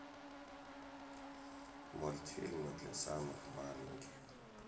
мультфильмы для самых маленьких